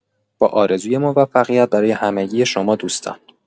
با آرزوی موفقیت برای همگی شما دوستان